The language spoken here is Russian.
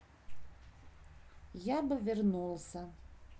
я бы вернулся